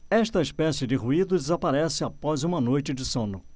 esta espécie de ruído desaparece após uma noite de sono